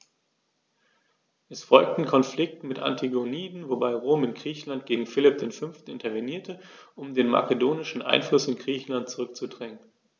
Es folgten Konflikte mit den Antigoniden, wobei Rom in Griechenland gegen Philipp V. intervenierte, um den makedonischen Einfluss in Griechenland zurückzudrängen.